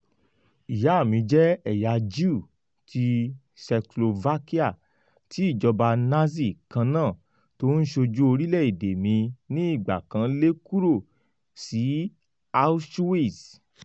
Ìyá mi jẹ́ ẹ̀yà Jew ti Czechoslovak tí ìjọba Nazi kannáà t’ó ń ṣojú orílẹ̀ èdè mi ní ìgbà kan lé kúrò sí Auschwitz.